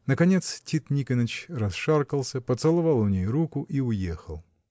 Наконец Тит Никоныч расшаркался, поцеловал у ней руку и уехал.